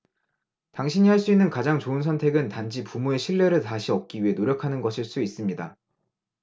당신이 할 수 있는 가장 좋은 선택은 단지 부모의 신뢰를 다시 얻기 위해 노력하는 것일 수 있습니다